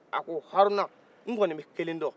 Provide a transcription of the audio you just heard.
a ko haruna n kɔni bɛ kelen dɔn